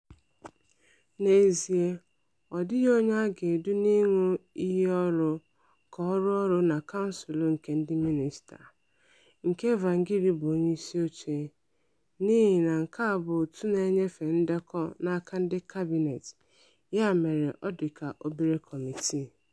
N'ezie, ọ dịghị onye a ga-edu n'ịṅu iyi ọrụ ka ọ rụọ ọrụ na Council of Minister (nke Tsvangirai bụ onye isi oche), n'ihi na nke a bụ òtù na-enyefe ndekọ n'aka ndị kabịnet, ya mere ọ dịka obere kọmitii.